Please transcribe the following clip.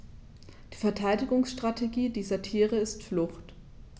Die Verteidigungsstrategie dieser Tiere ist Flucht.